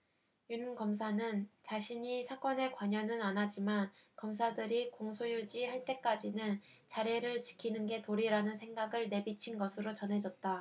윤 검사는 자신이 사건에 관여는 안하지만 검사들이 공소유지 할 때까지는 자리를 지키는 게 도리라는 생각을 내비친 것으로 전해졌다